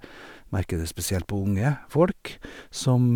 Merker det spesielt på unge folk, som...